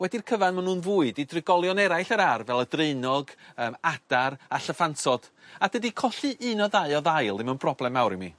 wedi'r cyfan ma' nw'n fwyd i drigolion eraill yr ardd fel y draenog yym adar a llyffantod a dydi colli un o ddau o ddail ddim yn broblem mawr i mi.